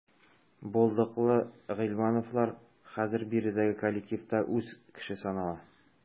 Булдыклы гыйльмановлар хәзер биредәге коллективта үз кеше санала.